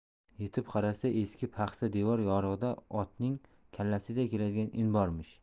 yetib qarasa eski paxsa devor yorig'ida otning kallasiday keladigan in bormish